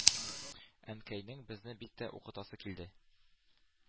Әнкәйнең безне бик тә укытасы килде.